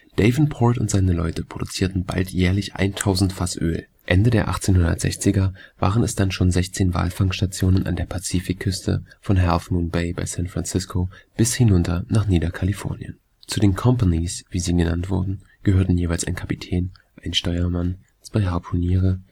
Davenport und seine Leute produzierten bald jährlich 1000 Fass Öl. Ende der 1860er waren es dann schon 16 Walfangstationen die die Pazifikküste, von Half Moon Bay bei San Francisco bis hinunter nach Niederkalifornien. Zu den Companies, wie sie genannt wurden, gehörten jeweils ein Kapitän, ein Steuermann, zwei Harpuniere